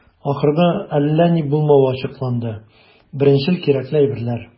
Ахырда, әллә ни булмавы ачыкланды - беренчел кирәкле әйберләр.